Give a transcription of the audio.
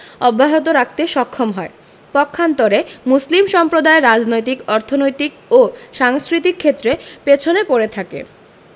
অব্যাহত রাখতে সক্ষম হয় পক্ষান্তরে মুসলিম সম্প্রদায় রাজনৈতিক অর্থনৈতিক ও সাংস্কৃতিক ক্ষেত্রে পেছনে পড়ে থাকে